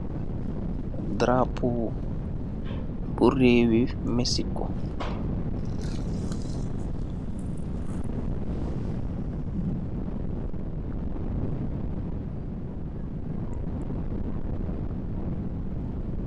Drapeau bu rewi Mexico.